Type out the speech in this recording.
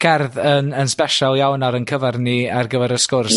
...cerdd yn yn sbesial iawn ar 'yn cyfar ni ar gyfer y sgwrs...